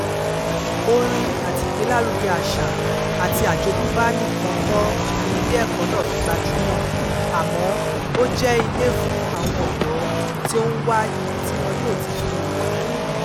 Orin àti ìgbélárugẹ àṣà àti àjogúnbá nìkan kọ́ ni ilé ẹ̀kọ́ náà fi gbajúmọ̀, àmọ́ ó jẹ́ ilé fún àwọn ọ̀dọ́ tí ó ń wà ibi tí wọn yóò ti fi ìmọ̀ kún ìmọ̀.